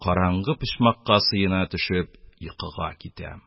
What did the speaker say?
Караңгы почмакка сыена төшеп, йокыга китәм.